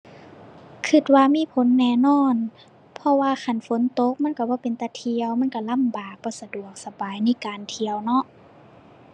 คิดว่ามีผลแน่นอน เพราะว่าคันฝนตกมันคิดบ่เป็นตาเที่ยว มันคิดลำบาก บ่สะดวกสบายในการเที่ยวเนาะ